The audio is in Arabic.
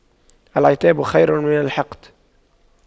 العتاب خير من الحقد